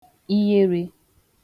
iherē